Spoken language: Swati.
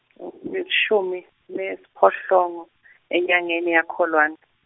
lishumi nesiphohlongo enyangeni yaKholwane.